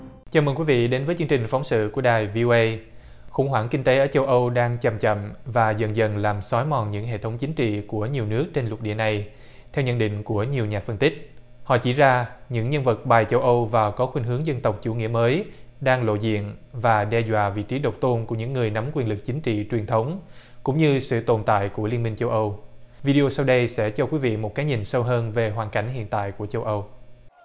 chào mừng quý vị đến với chương trình phóng sự của đài vi ô ây khủng hoảng kinh tế ở châu âu đang chầm chậm và dần dần làm xói mòn những hệ thống chính trị của nhiều nước trên lục địa này theo nhận định của nhiều nhà phân tích họ chỉ ra những nhân vật bài châu âu và có khuynh hướng dân tộc chủ nghĩa mới đang lộ diện và đe dọa vị trí độc tôn của những người nắm quyền lực chính trị truyền thống cũng như sự tồn tại của liên minh châu âu vi đê ô sau đây sẽ cho quý vị một cái nhìn sâu hơn về hoàn cảnh hiện tại của châu âu